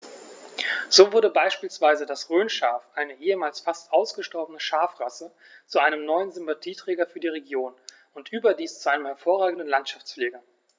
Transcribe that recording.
So wurde beispielsweise das Rhönschaf, eine ehemals fast ausgestorbene Schafrasse, zu einem neuen Sympathieträger für die Region – und überdies zu einem hervorragenden Landschaftspfleger.